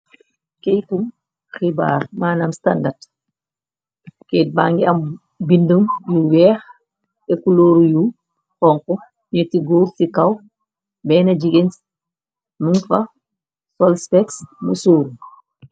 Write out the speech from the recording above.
keykum xibaar maanam standard keyt bangi am bindëm yu weex ekuloru yu xonk netti góor ci kaw benn jigéen mun fa solsfex mësooru